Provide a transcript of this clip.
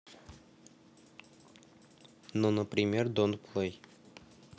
ну например don't play